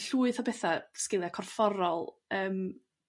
Llwyth o bethe sgilia' corfforol yrm.